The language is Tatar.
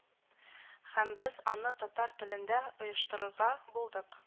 Һәм без аны татар телендә оештырырга булдык